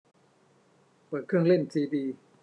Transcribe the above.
เปิดเครื่องเล่นซีดี